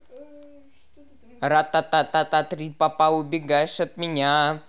ратататата три папапа убегаешь от меня